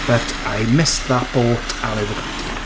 But I missed that boat, and I regretted it.